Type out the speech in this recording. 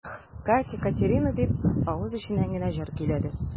Эх, Катя-Катерина дип, авыз эченнән генә җыр көйләде.